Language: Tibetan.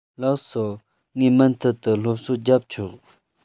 ལགས སོ ངས མུ མཐུད དུ སློབ གསོ རྒྱབ ཆོག